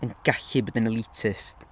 yn gallu bod yn elitist.